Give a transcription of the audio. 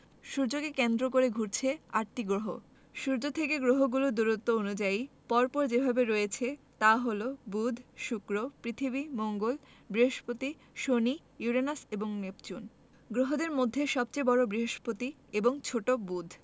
সূর্যকে কেন্দ্র করে ঘুরছে আটটি গ্রহ সূর্য থেকে গ্রহগুলো দূরত্ব অনুযায়ী পর পর যেভাবে রয়েছে তা হলো বুধ শুক্র পৃথিবী মঙ্গল বৃহস্পতি শনি ইউরেনাস এবং নেপচুন গ্রহদের মধ্যে সবচেয়ে বড় বৃহস্পতি এবং ছোট বুধ